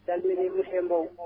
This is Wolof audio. monsieur Mbow